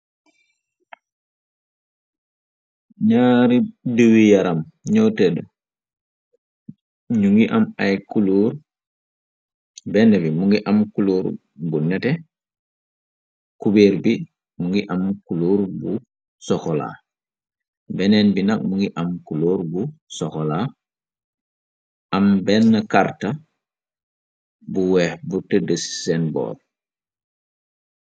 Ñaari diwi yaram ñoo tëddë. Ñu ngi am ay kuloor, bennë bi mu ngi am kuloor bu nétte, kubeer bi mu ngi am kuloor bu sokolaa, beneen bi nak, mu ngi am kulóor bu sokolaa, am benn karta bu weex bu tëddë si seen boor.